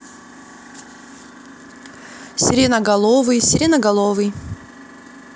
сиреноголовый сиреноголовый